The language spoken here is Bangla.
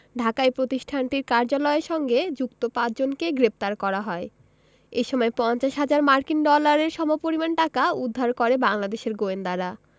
ঢাকায় প্রতিষ্ঠানটির কার্যালয়ের সঙ্গে যুক্ত পাঁচজনকে গ্রেপ্তার করা হয় এ সময় ৫০ হাজার মার্কিন ডলারের সমপরিমাণ টাকা উদ্ধার করে বাংলাদেশের গোয়েন্দারা